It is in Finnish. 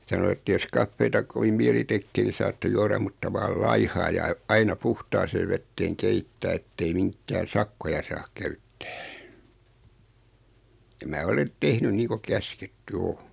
sanoi että jos kahvia kovin mieli tekee niin saatte juoda mutta vain laihaa ja - aina puhtaaseen veteen keittää että ei minkään sakkoja saa käyttää ja minä olen tehnyt niin kuin käsketty on